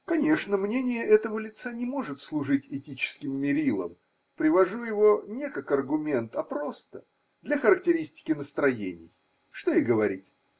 Конечно, мнение этого лица не может служить этическим мерилом: привожу его не как аргумент, а просто для характеристики настроений. Что и говорить.